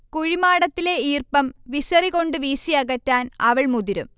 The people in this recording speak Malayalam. കുഴിമാടത്തിലെ ഈർപ്പം വിശറികൊണ്ട് വീശിയകറ്റാൻ അവൾ മുതിരും